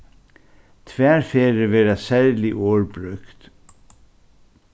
tvær ferðir verða serlig orð brúkt